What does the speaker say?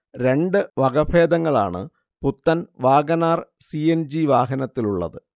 രണ്ട് വകഭേദങ്ങളാണ് പുത്തൻ Wagon R. C. N. G വാഹനത്തിലുള്ളത്